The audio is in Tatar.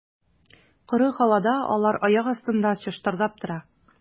Коры һавада алар аяк астында чыштырдап тора.